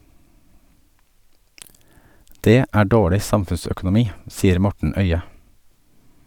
Det er dårlig samfunnsøkonomi, sier Morten Øye.